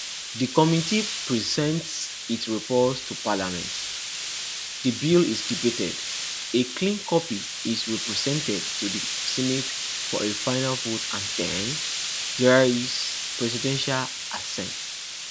The committee presents its report to Parliament, the bill is debated, a clean copy is re-presented to the Senate for a final vote and then, there's the presidential assent.